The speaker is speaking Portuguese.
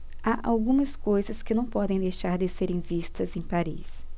há algumas coisas que não podem deixar de serem vistas em paris